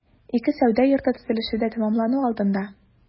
Ике сәүдә йорты төзелеше дә тәмамлану алдында.